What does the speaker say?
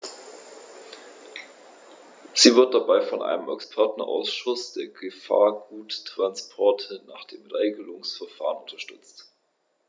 Sie wird dabei von einem Expertenausschuß für Gefahrguttransporte nach dem Regelungsverfahren unterstützt.